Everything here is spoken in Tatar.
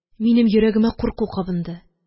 Минем йөрәгемә курку кабынды.